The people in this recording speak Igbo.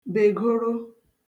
bègoro